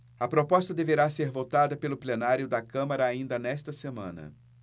a proposta deverá ser votada pelo plenário da câmara ainda nesta semana